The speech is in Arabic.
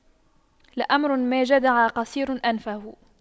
لأمر ما جدع قصير أنفه